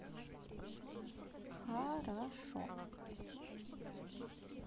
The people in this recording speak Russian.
харашо